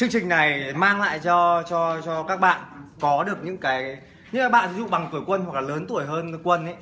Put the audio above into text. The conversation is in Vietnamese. chương trình này mang lại cho cho cho các bạn có được những cái như là bạn ví dụ bằng tuổi quân hoặc là lớn tuổi hơn quân ý